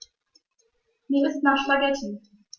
Mir ist nach Spaghetti.